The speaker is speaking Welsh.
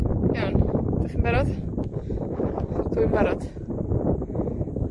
Iawn, 'dach chi'n barod? Dwi'n barod.